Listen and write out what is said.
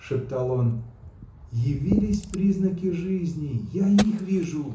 — шептал он, — явились признаки жизни — я их вижу